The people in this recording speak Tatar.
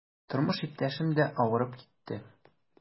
Тормыш иптәшем дә авырып китте.